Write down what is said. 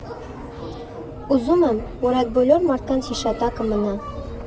«Ուզում եմ, որ այդ բոլոր մարդկանց հիշատակը մնա»